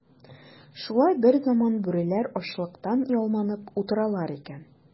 Шулай берзаман бүреләр ачлыктан ялманып утыралар икән.